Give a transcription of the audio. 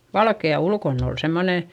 valkea ulkona oli semmoinen